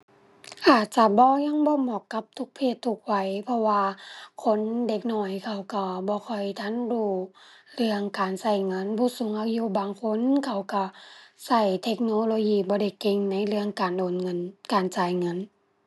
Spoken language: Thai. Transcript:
อาจจะบ่ ยังบ่เหมาะกับทุกเพศทุกวัย เพราะว่าคน เด็กน้อยเขาก็บ่ค่อยทันรู้เรื่องการก็เงิน ผู้สูงอายุบางคนเขาก็ก็เทคโนโลยีบ่ได้เก่งในเรื่องการโอนเงิน การจ่ายเงิน